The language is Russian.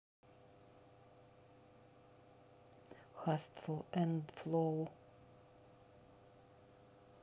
хастл энд флоу